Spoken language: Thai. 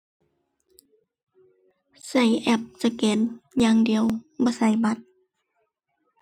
ใช้แอปสแกนอย่างเดียว บ่ใช้บัตร